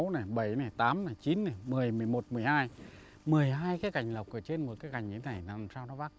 sáu này bảy này tám này chín này mười một mười hai mười hai cái cành lộc ở trên một cái cành như này làm sao nó vác